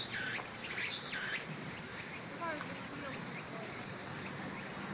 давай уже надоел все трое нас